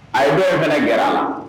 A bɛɛ bɛ gɛlɛɛrɛ a la